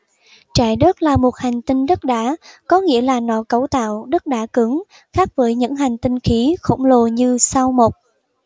trái đất là một hành tinh đất đá có nghĩa là nó có cấu tạo đất đá cứng khác với những hành tinh khí khổng lồ như sao mộc